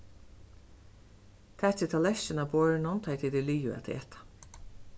takið tallerkin av borðinum tá tit eru liðug at eta